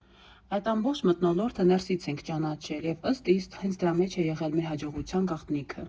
Այդ ամբողջ մթնոլորտը ներսից ենք ճանաչել և ըստ իս հենց դրա մեջ է եղել մեր հաջողության գաղտնիքը։